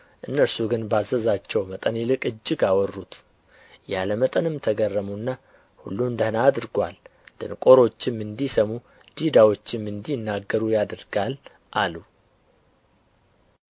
እነርሱ ግን ባዘዛቸውም መጠን ይልቅ እጅግ አወሩት ያለ መጠንም ተገረሙና ሁሉን ደኅና አድርጎአል ደንቆሮችም እንዲሰሙ ዲዳዎችም እንዲናገሩ ያደርጋል አሉ